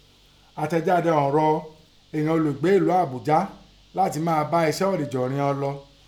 Àtẹ̀jáde ọ̀ún lá rọ ìghọn olùgbé elú Àbújá láti máa bá iṣẹ́ ọ̀rìjọ́ righọn lọ.